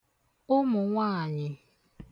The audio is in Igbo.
ụmù nwaànyị̀